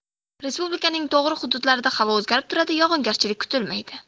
respublikaning tog'li hududlarida havo o'zgarib turadi yog'ingarchilik kutilmaydi